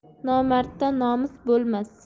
nomardda nomus bo'lmas